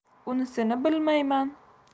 unisini bilmayman